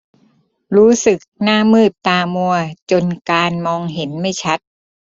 รู้สึกหน้ามืดตามัวจนการมองเห็นไม่ชัด